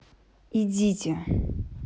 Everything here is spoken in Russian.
идите